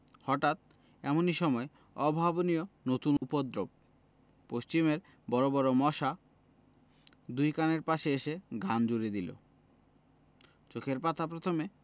হঠাৎ এমনি সময় অভাবনীয় নতুন উপদ্রব পশ্চিমের বড় বড় মশা দুই কানের পাশে এসে গান জুড়ে দিলে চোখের পাতা প্রথমে